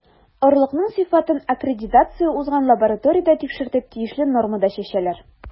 Орлыкның сыйфатын аккредитация узган лабораториядә тикшертеп, тиешле нормада чәчәләр.